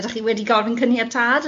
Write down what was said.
Ydach chi wedi gofyn caniatâd?